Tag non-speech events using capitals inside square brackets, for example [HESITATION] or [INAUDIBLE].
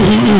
[HESITATION] [HESITATION]